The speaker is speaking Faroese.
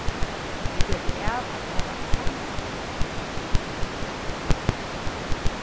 vit gjørdu av at hava ein seinasta tátt á skránni